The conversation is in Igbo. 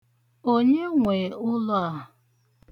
Onye nwe ụlọ a?